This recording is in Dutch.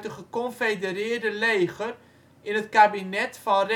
Geconfedereerde Leger in het kabinet van